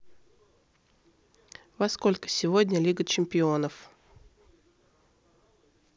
во сколько сегодня лига чемпионов